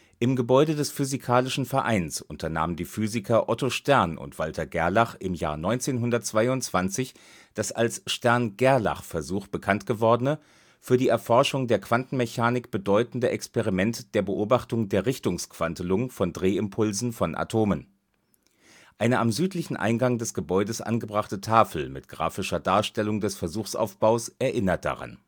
Im Gebäude des Physikalischen Vereins unternahmen die Physiker Otto Stern und Walther Gerlach im Jahr 1922 das als Stern-Gerlach-Versuch bekanntgewordene, für die Erforschung der Quantenmechanik bedeutende Experiment der Beobachtung der Richtungsquantelung von Drehimpulsen von Atomen. Eine am südlichen Eingang des Gebäudes angebrachte Tafel mit grafischer Darstellung des Versuchsaufbaus erinnert daran